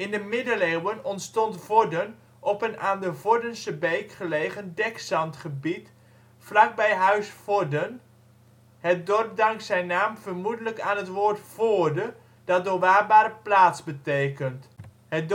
de Middeleeuwen ontstond Vorden op een aan de " Vordensche " beek gelegen dekzandgebied, vlakbij huis Vorden (zie onder). Het dorp dankt zijn naam vermoedelijk aan het woord ' voorde ', dat doorwaadbare plaats betekent. Het